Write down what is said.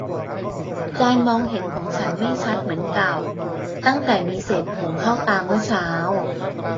การมองเห็นของฉันไม่ชัดเหมือนเก่าตั้งแต่มีเศษผงเข้าตาเมื่อเช้า